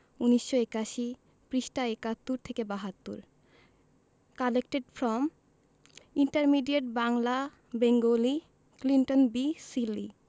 ১৯৮১ পৃষ্ঠা ৭১ থেকে ৭২ collected from intermediate Bangla Bengali Clinton B Seely